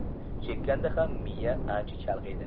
chekkanda ham miya ancha chalg'iydi